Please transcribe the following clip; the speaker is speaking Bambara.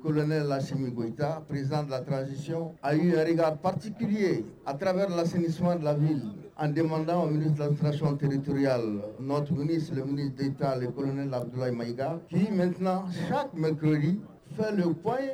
Kolon ne lasesi minkɔta presiz latrasiyon a y'u yɛrɛri ka patipiriri ye a taara bɛ lassi ni suma lafifi la an denda filatiinasiteretoya la nɔ tun ni silamɛini dentalen kolon ne ladu in ma i' mɛntina su tun bɛ toli fɛnlen ye